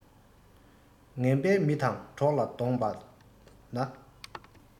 ངན པའི མི དང གྲོགས ལ བསྡོངས པ ན